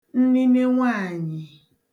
nnine nwaanyị̀